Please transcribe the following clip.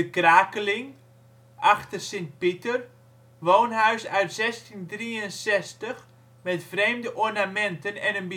Krakeling, Achter Sint-Pieter, woonhuis uit 1663 met vreemde ornamenten en